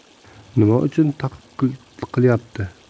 nima uchun taqib qilyapti